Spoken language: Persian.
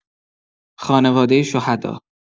خانواده شهدا